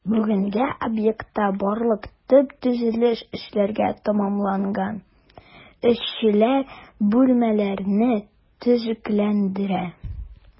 Бүгенгә объектта барлык төп төзелеш эшләре тәмамланган, эшчеләр бүлмәләрне төзекләндерә.